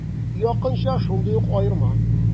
Якынча шундый ук аерма.